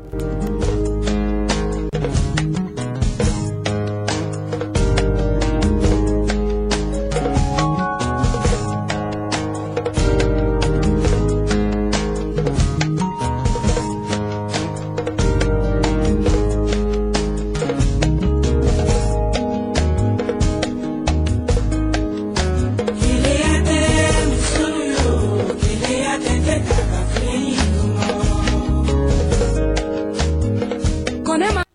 Kelen tɛ